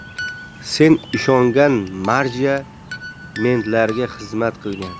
sen ishongan marja mentlarga xizmat qilgan